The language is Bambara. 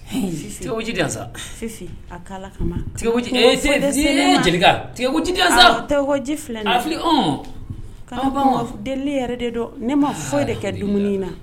Sa ji deli yɛrɛ de dɔn ne ma foyi de kɛ dumuni in na